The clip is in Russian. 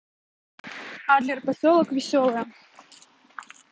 адлер поселок веселое